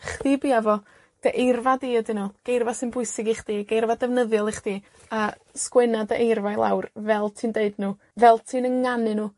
Chdi bia fo, dy eirfa di ydyn nw. Geirfa sy'n bwysig i chdi, geirfa defnyddiol i chdi, a sgwenna dy eirfa i lawr, fel ti'n deud nw, fel ti'n ynganu nw,